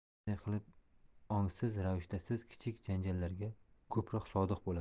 shunday qilib ongsiz ravishda siz kichik janjallarga ko'proq sodiq bo'lasiz